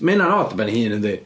Mae hynna'n od ar ben ei hyn, yndi?